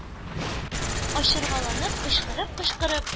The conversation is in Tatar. Ачыргаланып кычкыры-кычкыра